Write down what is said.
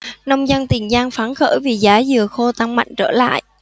nông dân tiền giang phấn khởi vì giá dừa khô tăng mạnh trở lại